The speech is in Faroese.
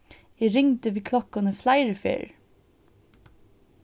eg ringdi við klokkuni fleiri ferðir